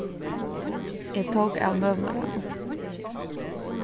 eg tók av møguleikanum